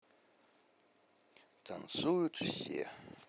танцуют все